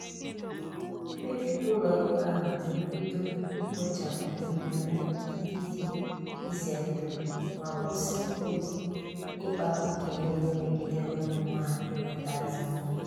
Mkpebi ụlo ikpe ahụ bụ mbido ikpochapụ mmemme ndị dị ize ndụ ma kwụsị ụdị ịkpaoke niile megidere ụmụ nwaanyị na Tanzania.